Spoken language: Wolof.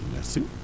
merci